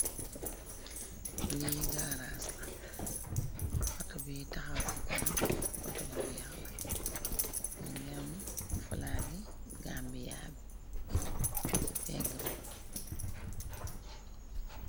Lii gaaraas la auto bu taxaw ci kanam auto bu weex la mu ngiram flaggi gambi yaa bi ci pegg bi.